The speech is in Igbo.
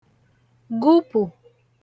gụpụ̀